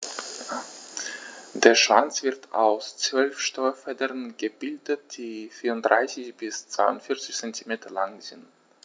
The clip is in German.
Der Schwanz wird aus 12 Steuerfedern gebildet, die 34 bis 42 cm lang sind.